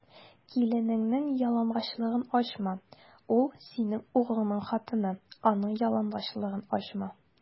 Киленеңнең ялангачлыгын ачма: ул - синең углыңның хатыны, аның ялангачлыгын ачма.